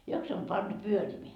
joko se on pantu pyörimään